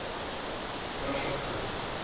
Порошокны